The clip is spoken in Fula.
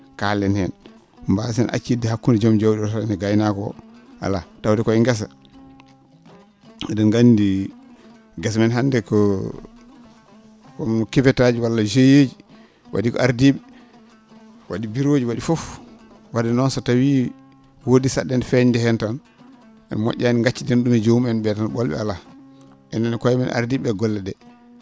kaalen heen mbaasen accidde hakkunde jom jawdi oo tan e gaynaako o alaa tawde koye ngesa e?en nganndi ngesa men hannde ko woon cuvette aji walla * wa?i ko ardii?e wa?i bureau ji wa?i fof wadde noon so tawii woodi sa?eende feeñnde heen tan mo??aani gacciden ?um e joomum en ?e tan ?ol?e alaa enen e koyemen ardii?e e golle ?ee